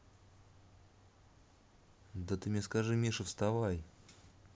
да ты ему скажи миша вставай